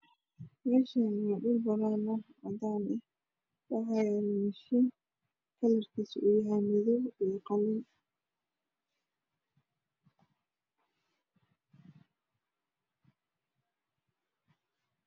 Meeshani waa dhul banan ah cadan ah waxaa yala mashiin kalarkiisu yahay madoow iyo qalin